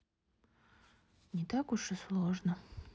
не так уж и сложно